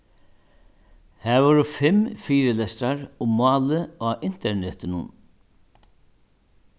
har vóru fimm fyrilestrar um málið á internetinum